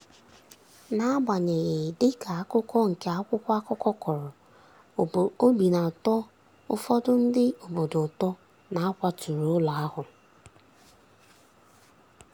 Na-agbanyeghị, dị ka akụko nke akwụkwọ akụkọ kọrọ, obi na-atọ ufọdu ndị obodo ụtọ na a kwaturu ụlọ ahụ.